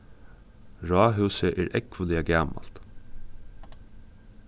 ráðhúsið er ógvuliga gamalt